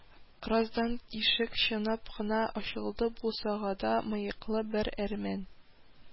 Раздан ишек чинап кына ачылды, бусагада мыеклы бер әрмән